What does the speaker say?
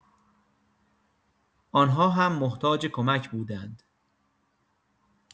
آن‌ها هم محتاج کمک بودند.